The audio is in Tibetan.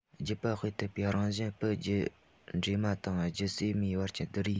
རྒྱུད པ སྤེལ ཐུབ པའི རང བཞིན ཕུད རྒྱུད འདྲེས མ དང རྒྱུད བསྲེས མའི བར གྱི བསྡུར རེས